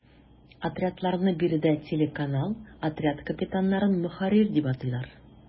Отрядларны биредә “телеканал”, отряд капитаннарын “ мөхәррир” дип атыйлар.